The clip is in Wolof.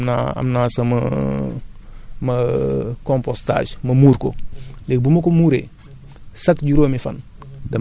ma muur ko ma muur ko am naa am naa am naa sama sama compostage ma muur ko